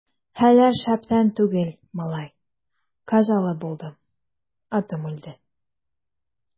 Хәлләр шәптән түгел, малай, казалы булдым, атым үлде.